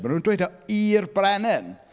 Maen nhw'n dweud e i'r brenin!